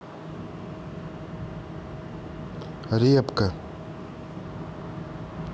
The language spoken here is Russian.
репка